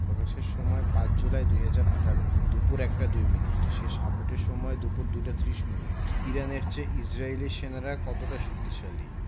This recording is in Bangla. প্রকাশের সময় ৫ জুলাই ২০১৮ দুপুর ১টা ২মিনিট শেষ আপডেটের সময় দুপুর ২টা ৩০ মিনিট ইরানের চেয়ে ইসরায়েলি সেনারা কতটা শক্তিশালী